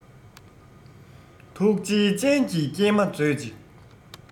ཐུགས རྗེའི སྤྱན གྱིས སྐྱེལ མ མཛོད ཅིག